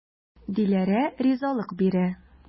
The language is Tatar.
Диләрә ризалык бирә.